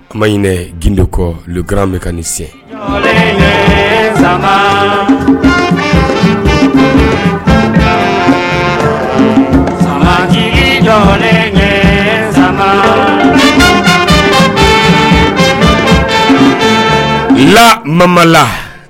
Tuma ininɛ gdo kɔ kkaran bɛ ka nin sɛ sama jɔ sama la mala